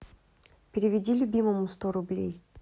переведи любимому сто рублей